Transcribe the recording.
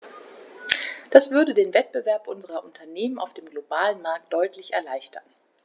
Das würde den Wettbewerb unserer Unternehmen auf dem globalen Markt deutlich erleichtern.